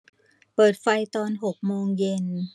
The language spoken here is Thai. เปิดไฟตอนหกโมงเย็น